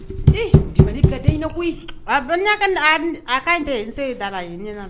jemeni ka di wulda in na koyi , kan tɛ n se da nin ɲɛna